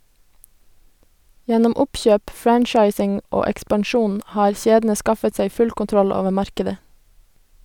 Gjennom oppkjøp, franchising og ekspansjon har kjedene skaffet seg full kontroll over markedet.